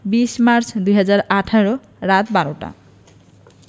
২০মার্চ ২০১৮ রাত ১২:০০ টা